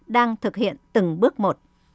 đang thực hiện từng bước một